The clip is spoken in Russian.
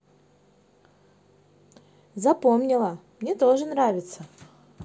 запомнила мне тоже нравится